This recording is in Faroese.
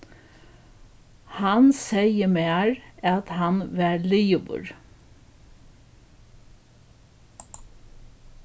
hann segði mær at hann var liðugur